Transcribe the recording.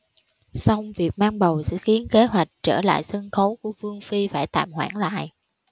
song việc mang bầu sẽ khiến kế hoạch trở lại sân khấu của vương phi phải tạm hoãn lại